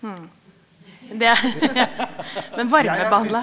det men varmebehandla?